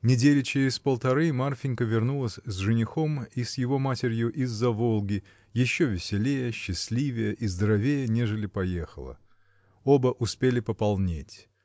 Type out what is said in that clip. Недели через полторы Марфинька вернулась с женихом и с его матерью из-за Волги еще веселее, счастливее и здоровее, нежели поехала. Оба успели пополнеть.